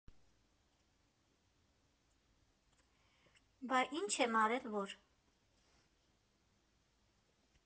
«Բայց ի՞նչ եմ արել, որ…